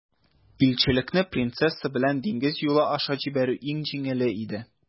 Илчелекне принцесса белән диңгез юлы аша җибәрү иң җиңеле иде.